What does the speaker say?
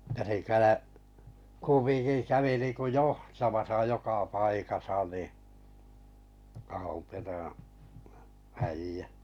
ja se - kumminkin kävi niin kuin johtamassa joka paikassa niin Ahonperän äijä